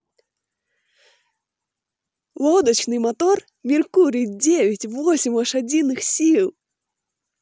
лодочный мотор меркурий девять восемь лошадиных сил